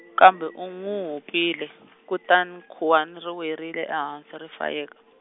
kambe u n'wi hupile , kutani khuwani ri werile ehansi ri fayeka.